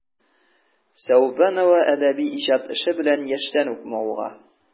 Сәүбанова әдәби иҗат эше белән яшьтән үк мавыга.